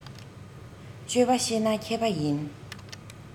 སྤྱོད པ ཤེས ན མཁས པ ཡིན